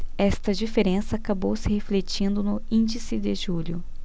esta diferença acabou se refletindo no índice de julho